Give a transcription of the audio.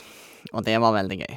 Og det var veldig gøy.